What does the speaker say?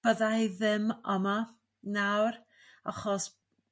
bydda i ddim oma nawr achos